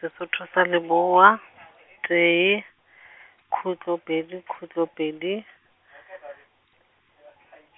Sesotho sa Leboa tee , khutlo pedi, khutlo pedi,